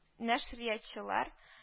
Нәшриятчылар